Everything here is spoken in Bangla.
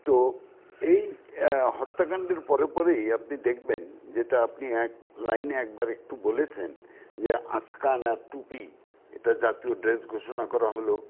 তো এই হত্যাকাণ্ডের পরপরই আপনি দেখবেন যেটা আপনি এক লাইনে একবার একটু বলেছেন আচকান আর টুপি এটা জাতীয় ড্রেস ঘোষণা করা হল